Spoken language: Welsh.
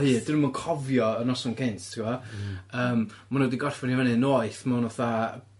Dydyn nw 'im yn cofio y noson cynt ti'n gwbo. Hmm. Yym ma' nw wedi gorffen i fyny'n noeth mewn fatha